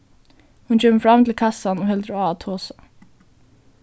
hon kemur fram til kassan og heldur á at tosa